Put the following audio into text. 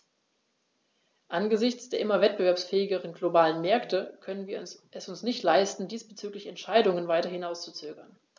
Angesichts der immer wettbewerbsfähigeren globalen Märkte können wir es uns nicht leisten, diesbezügliche Entscheidungen weiter hinauszuzögern.